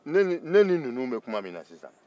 ne ni ne ni ninnu bɛ kuma min na sisan